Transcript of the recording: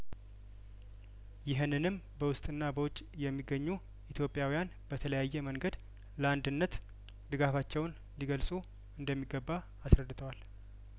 ይኸንንም በውስጥና በውጭ የሚገኙ ኢትዮጵያውያን በተለያየ መንገድ ለአንድነት ድጋፋቸውን ሊገልጹ እንደሚገባ አስረድተዋል